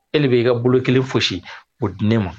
E le be i ka bolo 1 fosi k'o di ne ma